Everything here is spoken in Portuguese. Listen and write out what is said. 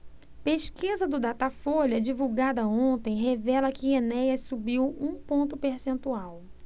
pesquisa do datafolha divulgada ontem revela que enéas subiu um ponto percentual